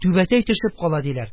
Түбәтәй төшеп кала, диләр,